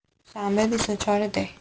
شنبه ۲۴ دی